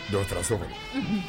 Dɔw taara so kɔnɔ